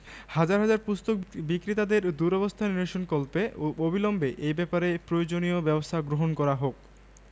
সংগৃহীত শামসুর রাহমানের স্মৃতির শহর এর অংশবিশেষ প্রকাশকঃ চট্টগ্রাম শিশু সাহিত্য বিতান ১৩৮৬ বঙ্গাব্দ পৃষ্ঠা ২০ থেকে ২১